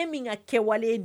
Min ka kɛ walelen